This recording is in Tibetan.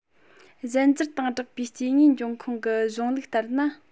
གཞན འགྱུར དང སྦྲགས པའི སྐྱེ དངོས འབྱུང ཁུངས ཀྱི གཞུང ལུགས ལྟར ན